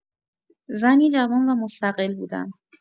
زنی جوان و مستقل بودم.